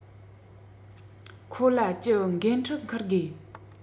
ཁོ ལ གྱི འགན འཁྲི འཁུར དགོས